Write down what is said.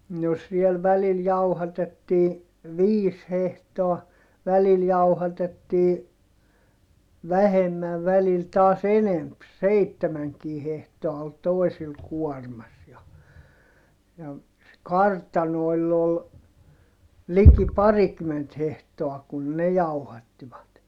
no siellä välillä jauhatettiin viisi hehtoa välillä jauhatettiin vähemmän välillä taas enempi seitsemänkin hehtoa oli toisilla kuormassa ja ja se kartanoilla oli liki parikymmentä hehtoa kun ne jauhattivat